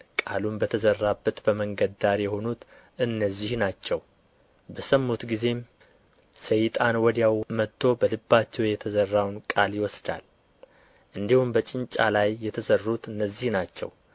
ቃልም በተዘራበት በመንገድ ዳር የሆኑት እነዚህ ናቸው በሰሙት ጊዜም ሰይጣን ወዲያው መጥቶ በልባቸው የተዘራውን ቃል ይወስዳል እንዲሁም በጭንጫ ላይ የተዘሩት እነዚህ ናቸው